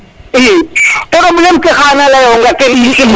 i probleme ke xana leyonga ten i njegu